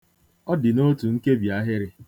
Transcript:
Ọ dị n'otu nkebiahịrị.